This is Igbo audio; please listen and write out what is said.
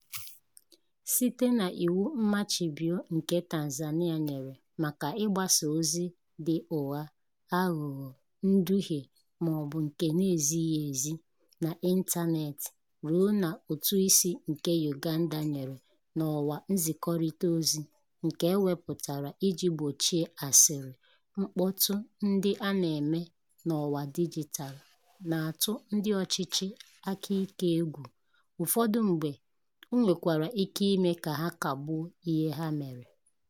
Site n'iwu mmachibio nke Tanzania nyere maka ịgbasa ozi dị "ụgha, aghụghọ, nduhie maọbụ nke na-ezighị ezi" n'ịntaneetị ruo n'ụtụisi nke Uganda nyere n'ọwa nzikọrịta ozi nke e wepụtara iji gbochie "asịrị", mkpọtụ ndị a na-eme n'ọwa dijitalụ na-atụ ndị ọchịchị aka ike égwù. N'ụfọdụ mgbe, o nwekwara ike ime ka ha kagbuo ihe ha mere.